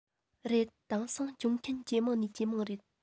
རེད དེང སང སྦྱོང མཁན ཇེ མང ནས ཇེ མང རེད